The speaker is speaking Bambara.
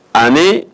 Ani